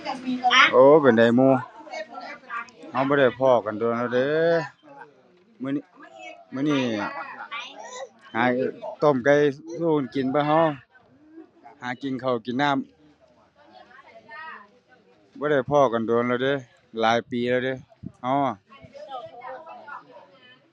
โอ๋ เป็นใดหมู่ เราบ่ได้พ้อกันโดนแล้วเดะ มื้อนี้ มื้อนี้ หาต้มไก่สู่กันกินบ่เรา หากินข้าวกินน้ำ บ่ได้พ้อกันโดนแล้วเดะ หลายปีแล้วเดะเราอะ